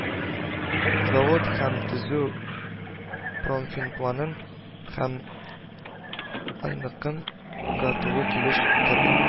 Завод һәм төзү промфинпланын һәм айныкын да тулы килеш үтәргә